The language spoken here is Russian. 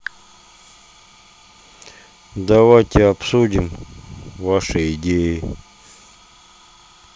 давайте обсудим ваши идеи